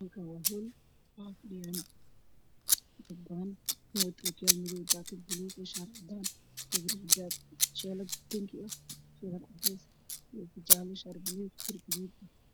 Meeshaan waa hool waxaa fadhiyo dad badan wato jaakad madow, shaar buluug ah, xijaab iyo sheelad bingi ah, sheelad cadeys ah, xijaab madow, darbiga waa buluug ah.